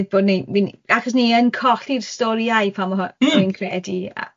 bo' ni ni'n... Achos ni yn colli'r storïau- pan ma hw-... Mm... wi'n credu ac